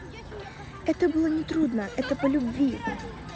это было нетрудно это по любви